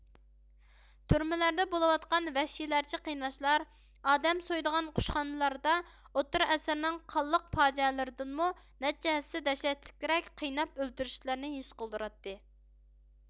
تۈرمىلەردە بولۇۋاتقان ۋەھشىيلەرچە قىيناشلار ئادەم سويىدىغان قۇشخانىلاردا ئوتتۇرا ئەسىرنىڭ قانلىق پاجىئەلىرىدىنمۇ نەچچە ھەسسە دەھشەتلىكرەك قىيناپ ئۆلتۈرۈشلەرنى ھېس قىلدۇراتتى